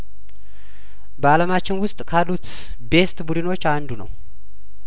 በአለማችን ውስጥ ካሉት ቤስት ቡድኖች አንዱ ነው